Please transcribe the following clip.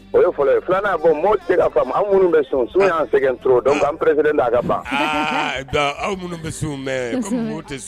O ye fɔlɔ filanan'a bɔ mɔ se ka fa anw minnu bɛ sun sun y'an sɛgɛn dɔn an ppere'a ka faa aw minnu bɛ mɛ tɛ